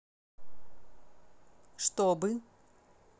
чтобы